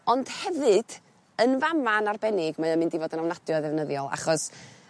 ond hefyd yn fa' 'ma yn arbennig mae o'n mynd i fod yn ofnadwy o ddefnyddiol achos